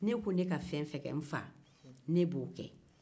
n fa n'e ko ne ka fɛn o fɛn kɛ ne b'o kɛ